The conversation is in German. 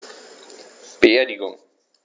Beerdigung